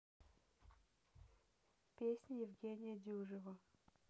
песня евгения дюжева